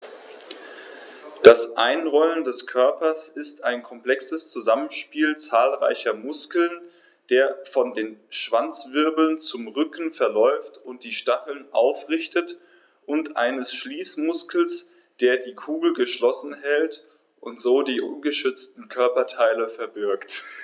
Das Einrollen des Körpers ist ein komplexes Zusammenspiel zahlreicher Muskeln, der von den Schwanzwirbeln zum Rücken verläuft und die Stacheln aufrichtet, und eines Schließmuskels, der die Kugel geschlossen hält und so die ungeschützten Körperteile verbirgt.